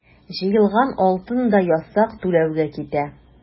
Җыелган алтын да ясак түләүгә китә.